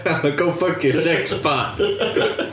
Go fuck your sexbot.